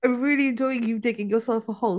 I'm really enjoying you digging yourself a hole.